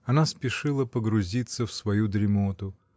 Она спешила погрузиться в свою дремоту